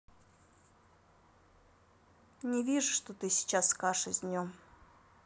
не вижу что ты сейчас каша с днем